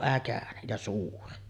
äkäinen ja suuri